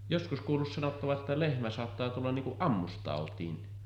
joskus kuullut sanottavan että lehmä saattaa tulla niin kuin ammustautiin